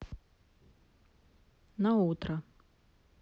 наутро